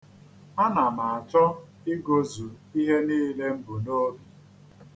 Ana m achọ igozu ihe niile m bu n'obi.